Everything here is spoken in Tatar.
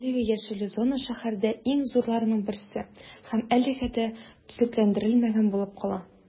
Әлеге яшел зона шәһәрдә иң зурларының берсе һәм әлегә дә төзекләндерелмәгән булып кала.